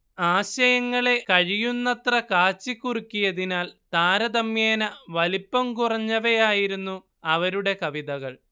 ആശയങ്ങളെ കഴിയുന്നത്ര കാച്ചിക്കുറുക്കിയതിനാൽ താരതമ്യേന വലിപ്പം കുറഞ്ഞവയായിരുന്നു അവരുടെ കവിതകൾ